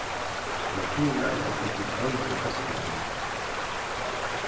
vit skulu fyrireika okkum til køldu heystdagarnar